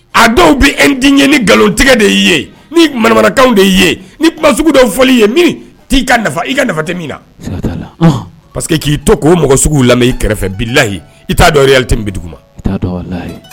A dɔw bɛ edi ɲɛ ni nkalontigɛ de y'i ye nikaw de ye ni sugu dɔw fɔli ye ka i ka nafatɛ min na pa que k'i to ko o mɔgɔ sugu i kɛrɛfɛ layi i t'a bi